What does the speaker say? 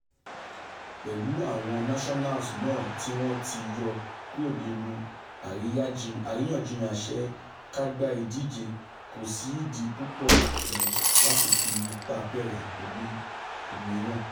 Pẹ̀lú Àwọn Nationals náà tíwọ́n ti yọ kuro nínú àríyànjiyàn àṣekágbá ìdíje, kòsí ìdí púpọ̀ mọ́ láti fi ipá bẹ̀rẹ̀ òmíràn.